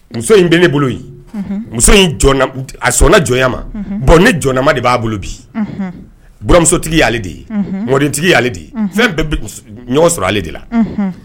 Muso in bɛn ne bolo muso a sɔnna jɔnya ma bɔn ne jɔnma de b'a bolo bi buramusotigi y' ale de ye mɔdentigi y'ale de ye fɛn bɛ ɲɔgɔn sɔrɔ ale de la